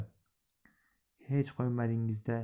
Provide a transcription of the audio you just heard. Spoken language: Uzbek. hech qo'ymadingiz da